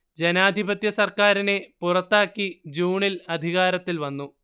ജനാധിപത്യ സർക്കാരിനെ പുറത്താക്കി ജൂണിൽ അധികാരത്തിൽ വന്നു